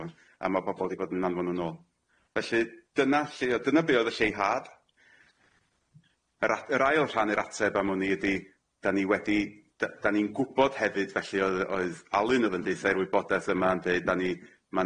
fo, a ma' pobol di bod yn anfon nw nôl felly dyna lle o dyna be' o'dd y lleihad yr a- yr ail rhan yr ateb am wn i ydi da ni wedi dy- da ni'n gwbod hefyd felly o'dd oedd Alun o'dd yn deutha i'r wybodaeth yma'n deud da ni ma'